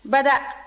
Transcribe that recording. bada